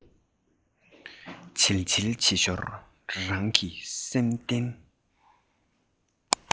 བྱིལ བྱིལ བྱེད ཞོར རང གི སེམས གཏམ